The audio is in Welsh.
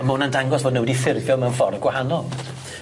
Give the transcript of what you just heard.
A ma' wnna'n dangos fod nw wedi ffurfio mewn ffor gwahanol.